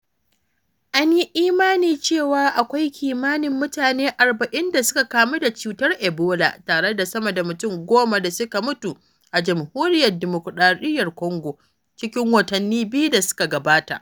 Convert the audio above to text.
An yi imani cewa akwai kimanin mutane 40 da suka kamu da cutar ebola, tare da sama da mutum 10 da suka mutu a Jamhuriyar Dimokuraɗiyyar Congo cikin watanni biyu da suka gabata.